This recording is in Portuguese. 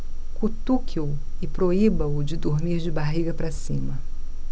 cutuque-o e proíba-o de dormir de barriga para cima